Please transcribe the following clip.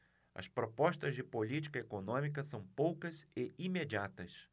as propostas de política econômica são poucas e imediatas